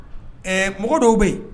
Ɛɛ mɔgɔ dɔw bɛ yen